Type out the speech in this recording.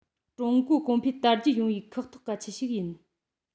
ཀྲུང གོ གོང འཕེལ དར རྒྱས ཡོང བའི ཁག ཐེག གལ ཆེན ཞིག ཡིན